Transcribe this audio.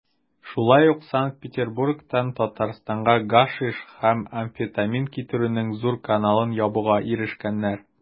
Шулай ук Санкт-Петербургтан Татарстанга гашиш һәм амфетамин китерүнең зур каналын ябуга ирешкәннәр.